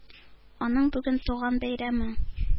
Аның бүген туган бәйрәме.